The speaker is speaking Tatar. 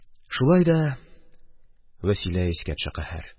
Шулай да Вәсилә искә төшә, каһәр